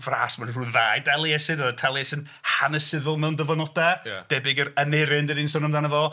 Fras, ma' 'na ryw ddau Daliesin, y Taliesin hanesyddol mewn dyfynodau... ia. ...debyg i'r Aneurin dan ni'n sôn amdano fo.